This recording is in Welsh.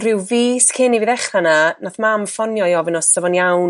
ryw fis cyn i fi ddechra' yna nath mam ffonio i ofyn o 'sa fo'n iawn